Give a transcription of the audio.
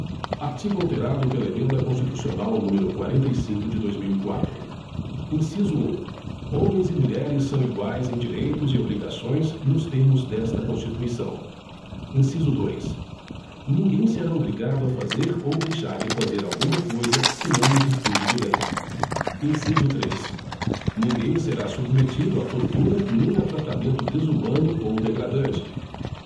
artigo alterado pela emenda constitucional número quarenta e cinco de dois mil e quatro inciso um homens e mulheres são iguais em direitos e obrigações nos termos desta constituição inciso dois ninguém será obrigado a fazer ou deixar de fazer alguma coisa senão em virtude de lei inciso três ninguém será submetido a tortura nem a tratamento desumano ou degradante